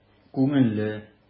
Күңелле!